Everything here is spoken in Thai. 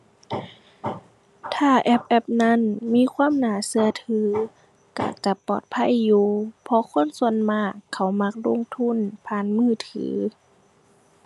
ถ้าแอปแอปนั้นมีความน่าเชื่อถือ เชื่อ เชื่อปลอดภัยอยู่ เพราะคนส่วนมากเขามักลงทุนผ่านมือถือ